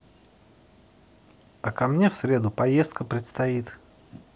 а ко мне в среду поездка предстоит